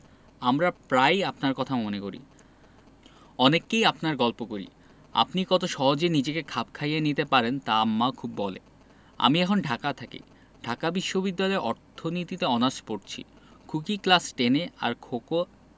আমরা প্রায়ই আপনারর কথা মনে করি অনেককেই আপনার গল্প করি আপনি কত সহজে নিজেকে খাপ খাইয়ে নিতে পারেন তা আম্মা খুব বলে আমি এখন ঢাকা থাকি ঢাকা বিশ্ববিদ্যালয়ে অর্থনীতিতে অনার্স পরছি খুকি ক্লাস টেন এ আর খোক